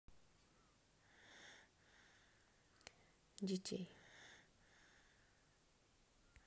детей